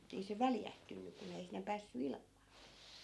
että ei se väljähtynyt kun ei sinne päässyt ilmaa